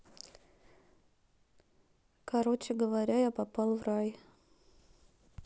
короче говоря я попал в рай